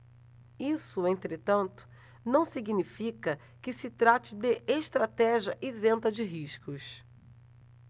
isso entretanto não significa que se trate de estratégia isenta de riscos